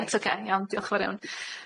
O reit ocê iawn diolch yn fawr iawn.